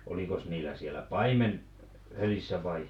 olikos niillä siellä paimen följyssä vai